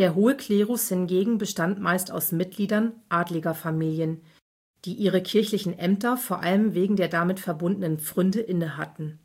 hohe Klerus hingegen bestand meist aus Mitgliedern adliger Familien, die ihre kirchlichem Ämter vor allem wegen der damit verbundenen Pfründen innehatten